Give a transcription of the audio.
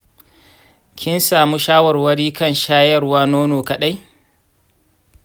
kin samu shawarwari kan shayarwa nono kaɗai?